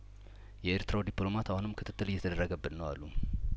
የኤርትራው ዲፕሎማት አሁንም ክትትል እየተደረገብን ነው አሉ